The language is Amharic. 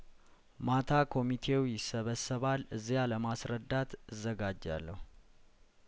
ማታ ኮሚቴው ይሰባሰባል እዚያ ለማስረዳት እዘጋጃለሁ